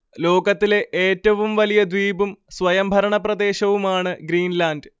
ലോകത്തിലെ ഏറ്റവും വലിയ ദ്വീപും സ്വയംഭരണ പ്രദേശവുമാണ് ഗ്രീൻലാൻഡ്